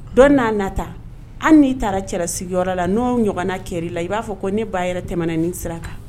Dɔn n' nata an n'i taara cɛla sigiyɔrɔyɔrɔ la n'o ɲɔgɔnna kɛra la i b'a fɔ ko ne ba yɛrɛ tɛmɛna ni sira kan